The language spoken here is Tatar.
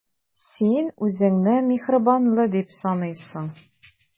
Син үзеңне миһербанлы дип саныйсың.